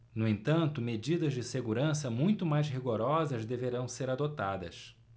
no entanto medidas de segurança muito mais rigorosas deverão ser adotadas